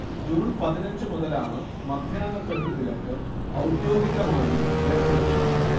June പതിഞ്ച് മുതലാണ് മധ്യാഹ്ന തൊഴിൽ വിലക്ക് ഔദ്യോഗികമായി ഏർപ്പെടുത്തുന്നത്